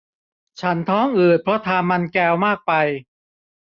ฉันท้องอืดเพราะทานมันแกวมากไป